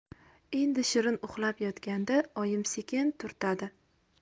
endi shirin uxlab yotganda oyim sekin turtadi